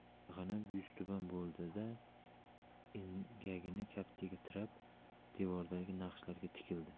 keyin ag'anab yuztuban bo'ldi da engagini kaftiga tirab devordagi naqshlarga tikildi